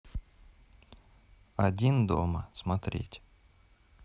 один дома смотреть